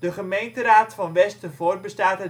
gemeenteraad van Westervoort bestaat